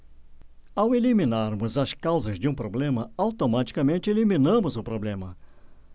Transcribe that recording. ao eliminarmos as causas de um problema automaticamente eliminamos o problema